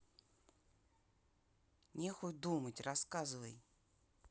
нехуй думать рассказывай